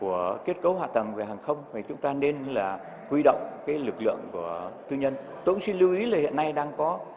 của kết cấu hạ tầng về hàng không phải chúng ta nên là huy động các lực lượng của tư nhân cũng xin lưu ý là hiện nay đang có